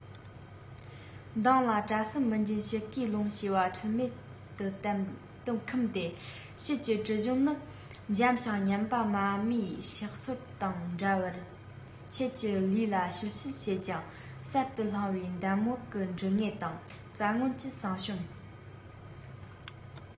གདེང ལ གྲ ཟུམ མི སྦྱིན དཔྱིད ཀའི རླུང ཞེས པ འཁྲུལ མེད དུ འཁུམས ཏེ དཔྱིད ཀྱི དྲི བཞོན ནི འཇམ ཞིང མཉེན པ མ མའི ཕྱག སོར དང འདྲ བར ཁྱེད ཀྱི ལུས ལ བྱིལ བྱིལ བྱེད ཅིང གསར དུ བསླངས པའི འདམ བག གི དྲི ངད དང རྩྭ སྔོན གྱི བསུང ཞིམ